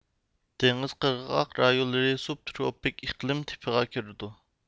دېڭىز قىرغاق رايونلىرى سۇبتروپىك ئىقلىم تىپىغا كىرىدۇ